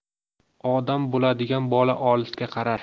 odam bo'ladigan bola olisga qarar